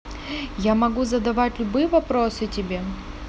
я могу задавать любые вопросы тебе